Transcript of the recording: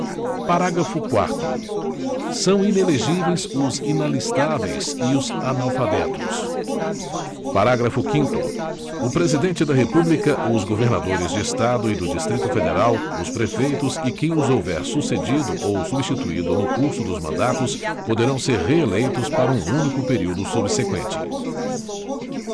parágrafo quarto são inelegíveis os inalistáveis e os analfabetos parágrafo quinto o presidente da república os governadores de estado e do distrito federal os prefeitos e quem os houver sucedido ou substituído no curso dos mandatos poderão ser reeleitos para um único período subseqüente